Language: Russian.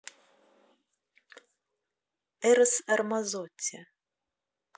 эрос рамазотти